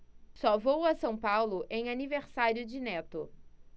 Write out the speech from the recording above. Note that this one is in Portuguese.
só vou a são paulo em aniversário de neto